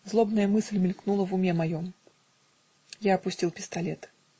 Злобная мысль мелькнула в уме моем. Я опустил пистолет.